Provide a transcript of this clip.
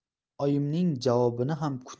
oyimning javobini ham